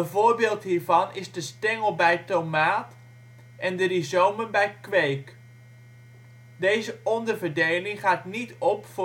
voorbeeld hiervan is de stengel bij tomaat en de rizomen bij kweek. Deze onderverdeling gaat niet op